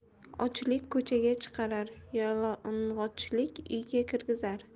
ochlik ko'chaga chiqarar yalang'ochlik uyga kirgizar